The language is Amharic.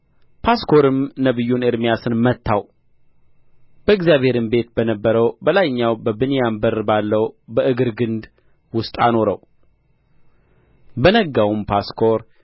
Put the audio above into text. ጳስኮርም ነቢዩን ኤርምያስን መታው በእግዚአብሔርም ቤት በነበረው በላይኛው በብንያም በር ባለው በእግር ግንድ ውስጥ አኖረው በነጋውም ጳስኮር